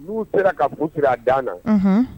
'u sera ka furu siri a d na